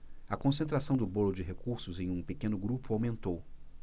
a concentração do bolo de recursos em um pequeno grupo aumentou